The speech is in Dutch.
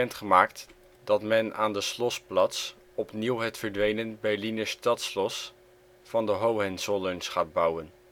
gemaakt dat men aan de Schlossplatz opnieuw het verdwenen Berliner Stadtschloss van de Hohenzollerns gaat bouwen